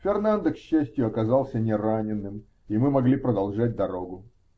Фернандо, к счастью, оказался не раненым, и мы могли продолжать дорогу.